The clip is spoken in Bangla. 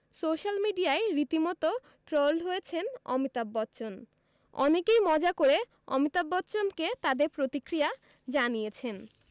সোশ্যাল মিডিয়ায় রীতিমতো ট্রোলড হয়েছেন অমিতাভ বচ্চন অনেকেই মজা করে অমিতাভ বচ্চনকে তাদের প্রতিক্রিয়া জানিয়েছেন